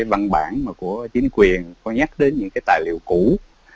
văn bản mà của chính quyền có nhắc đến những tài liệu cũ